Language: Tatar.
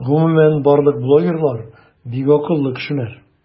Гомумән барлык блогерлар - бик акыллы кешеләр.